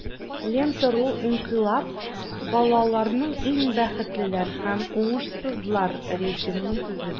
"лента.ру" инкыйлаб балаларының иң бәхетлеләр һәм уңышсызлар рейтингын төзеде.